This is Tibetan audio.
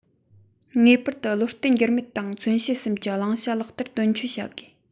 ངེས པར དུ བློ བརྟན འགྱུར མེད ངང མཚོན བྱེད གསུམ གྱི བླང བྱ ལག བསྟར དོན འཁྱོལ བྱ དགོས